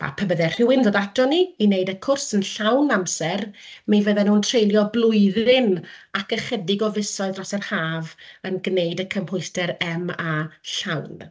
a pe bydde rhywun yn dod ato ni i wneud y cwrs yn llawn amser, mi fydden nhw yn treulio blwyddyn ac ychydig o fisoedd dros yr haf yn gwneud y cymhwyster MA llawn.